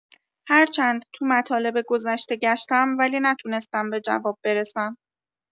هرچند تو مطالب گذشته گشتم ولی نتونستم به جواب برسم.